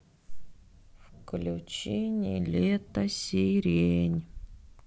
включи нилетто сирень